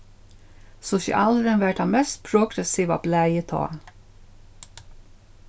sosialurin var tað mest progressiva blaðið tá